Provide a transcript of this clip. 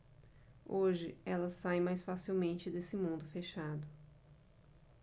hoje elas saem mais facilmente desse mundo fechado